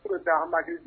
Ko bɛ da an maki